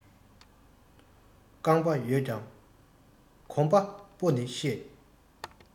རྐང པ ཡོད ཀྱང གོམ པ སྤོ ནི ཤེས